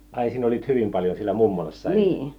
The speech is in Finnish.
ai sinä olit hyvin paljon siellä mummolassa ennen